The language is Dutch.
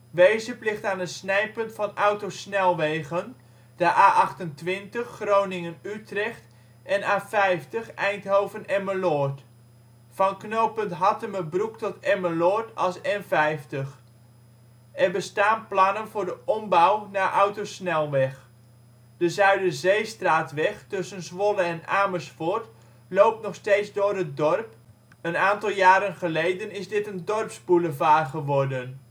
Wezep ligt aan een snijpunt van autosnelwegen. De A28 (Groningen - Utrecht) en A50 (Eindhoven - Emmeloord), van knooppunt Hattemerbroek tot Emmeloord als N50. Er bestaan plannen voor de ombouw naar autosnelweg. De Zuiderzeestraatweg tussen Zwolle en Amersfoort loopt nog steeds door het dorp, een aantal jaren geleden is dit een dorpsboulevard geworden